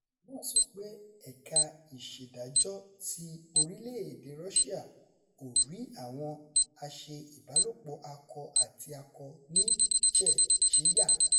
àmì náà ń sọ pé: Ẹ̀KA ÌṢÈDÁJỌ́ TI ORÍLẸ̀-ÈDÈE RUSSIA Ò RÍ ÀWỌN AṢE-ÌBÁLÒPỌ̀-AKỌ-ÀTI-AKỌ NÍ CHECHYA.